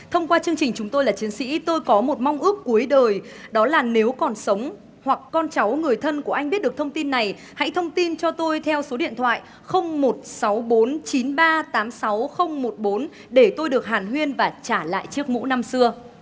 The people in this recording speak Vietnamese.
thông qua chương trình chúng tôi là chiến sĩ tôi có một mong ước cuối đời đó là nếu còn sống hoặc con cháu người thân của anh biết được thông tin này hãy thông tin cho tôi theo số điện thoại không một sáu bốn chín ba tám sáu không một bốn để tôi được hàn huyên và trả lại chiếc mũ năm xưa